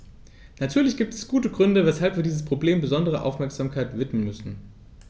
Natürlich gibt es gute Gründe, weshalb wir diesem Problem besondere Aufmerksamkeit widmen müssen.